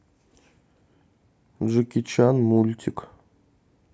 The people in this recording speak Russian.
джеки чан мультик